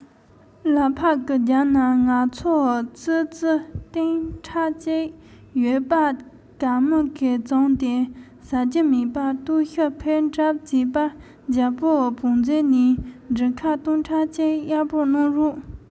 ལ ཕ གིའི རྒྱབ ན ང ཚོ ཙི ཙི སྟིང ཕྲག གཅིག ཡོད པ ག མུ གེ བྱུང སྟེ ཟ རྒྱུ མེད བས ལྟོགས ཤི ཐེབས གྲབས བྱེད པས རྒྱལ པོའི བང མཛོད ནས འབྲུ ཁལ སྟོང ཕྲག གཅིག གཡར པོ གནང རོགས